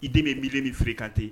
I den bɛ milieu min fréquenter